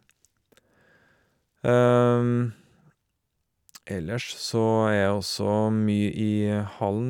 Ellers så er jeg også mye i hallen.